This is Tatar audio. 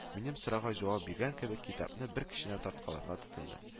Минем сорауга җавап биргән кебек, китапны бар көченә тарткаларга тотынды